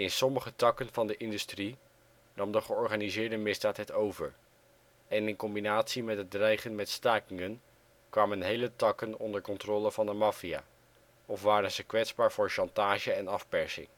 sommige takken van de industrie nam de georganiseerde misdaad het over, en in combinatie met het dreigen met stakingen kwamen hele takken onder controle van de maffia, of waren ze kwetsbaar voor chantage en afpersing